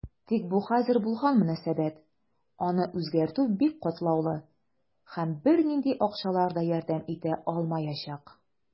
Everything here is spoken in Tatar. Тик бу хәзер булган мөнәсәбәт, аны үзгәртү бик катлаулы, һәм бернинди акчалар да ярдәм итә алмаячак.